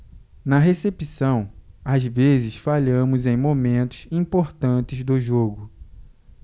na recepção às vezes falhamos em momentos importantes do jogo